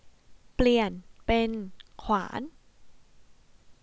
เปลี่ยนเป็นขวาน